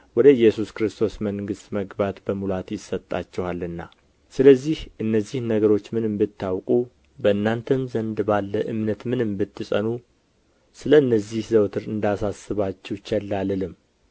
ወደ ኢየሱስ ክርስቶስ መንግሥት መግባት በሙላት ይሰጣችኋልና ስለዚህ እነዚህን ነገሮች ምንም ብታውቁ በእናንተም ዘንድ ባለ እውነት ምንም ብትጸኑ ስለ እነዚህ ዘወትር እንዳሳስባችሁ ቸል አልልም